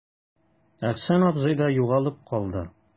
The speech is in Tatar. Әхсән абзый да югалып калды.